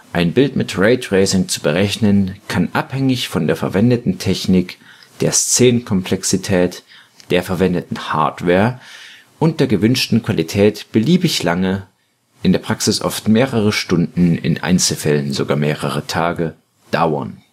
Ein Bild mit Raytracing zu berechnen, kann abhängig von der verwendeten Technik, der Szenenkomplexität, der verwendeten Hardware und der gewünschten Qualität beliebig lange – in der Praxis oft mehrere Stunden, in Einzelfällen sogar mehrere Tage – dauern